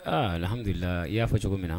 Aa halila i y'a fɔ cogo minna na